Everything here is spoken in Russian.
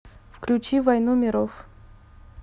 включи войну миров